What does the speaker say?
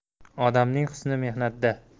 odamning husni mehnatda